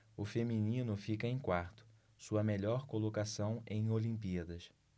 o feminino fica em quarto sua melhor colocação em olimpíadas